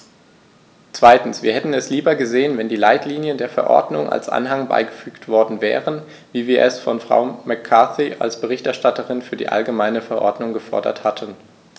Zweitens: Wir hätten es lieber gesehen, wenn die Leitlinien der Verordnung als Anhang beigefügt worden wären, wie wir es von Frau McCarthy als Berichterstatterin für die allgemeine Verordnung gefordert hatten.